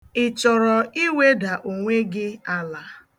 Ị chọrọ iweda onwe gị ala?